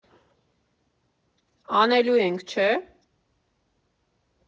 Անելու ենք, չէ՞։